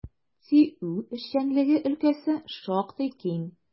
ТИҮ эшчәнлеге өлкәсе шактый киң.